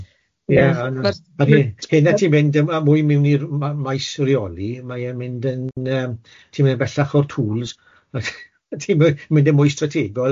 Ie ond yy hynne a ti'n mynd yym a mwy mewn i'r ma- maes reoli, mae e'n mynd yn yym ti'n mynd yn bellach o'r tools a ti'n my- mynd yn mwy strategol.